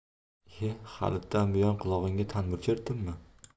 iye halitdan buyon qulog'ingga tanbur chertdimmi